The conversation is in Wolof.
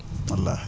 walaahi